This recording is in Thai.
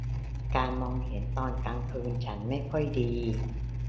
การมองเห็นตอนกลางคืนฉันไม่ค่อยดี